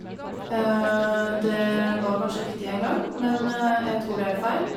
Det var kanskje riktig en gang, men jeg tror det er feil.